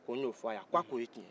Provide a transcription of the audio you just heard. ko n y'o fo a ye ko a ko o ye cɛn ye